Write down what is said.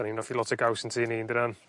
'Dan ni'n offi lot o gaws yn tŷ ni yndydn?